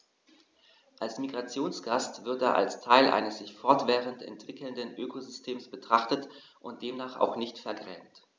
Als Migrationsgast wird er als Teil eines sich fortwährend entwickelnden Ökosystems betrachtet und demnach auch nicht vergrämt.